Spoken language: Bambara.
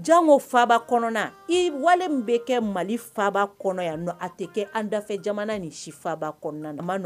Jango faabakɔnɔ i wale min bɛ kɛ Mali faaba kɔnɔ yanni nɔ a tɛ kɛ an dafɛ jamana nin si faaba kɔnɔna na